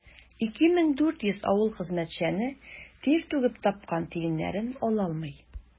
2400 авыл хезмәтчәне тир түгеп тапкан тиеннәрен ала алмый.